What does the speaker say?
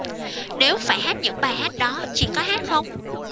nếu phải hát những bài hát đó chị có hát không